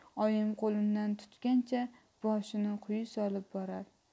oyim qo'limdan tutgancha boshini quyi solib borar